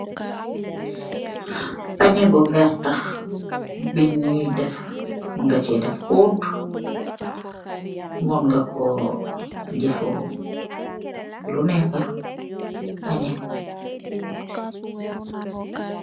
Pacheng bu veerta bu am butail ce birr.